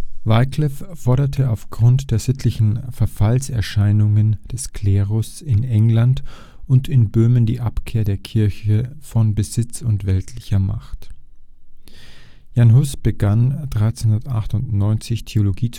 Wyclif forderte aufgrund der sittlichen Verfallserscheinungen des Klerus in England und in Böhmen die Abkehr der Kirche von Besitz und weltlicher Macht. Jan Hus begann 1398 Theologie